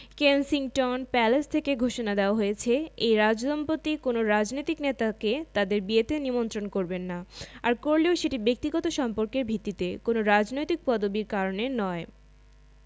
Kensington Palace থেকে ঘোষণা দেওয়া হয়েছে এই রাজদম্পতি কোনো রাজনৈতিক নেতাকে তাঁদের বিয়েতে নিমন্ত্রণ করবেন না আর করলেও সেটি ব্যক্তিগত সম্পর্কের ভিত্তিতে কোনো রাজনৈতিক পদবির কারণে নয়